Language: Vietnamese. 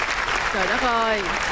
ơi